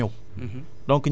ñebe bi mën na faa ñëw